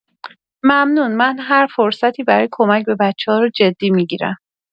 ممنون، من هر فرصتی برای کمک به بچه‌ها رو جدی می‌گیرم.